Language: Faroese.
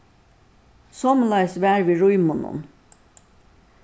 somuleiðis var við rímunum